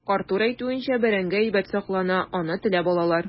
Артур әйтүенчә, бәрәңге әйбәт саклана, аны теләп алалар.